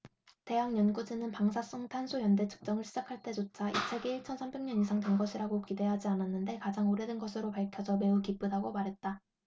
대학 연구진은 방사성탄소 연대측정을 시작할 때조차 이 책이 일 천 삼백 년 이상 된 것이라고 기대하지 않았는데 가장 오래된 것으로 밝혀져 매우 기쁘다고 말했다